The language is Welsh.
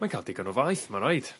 Mae'n ca'l digon o faeth ma' raid.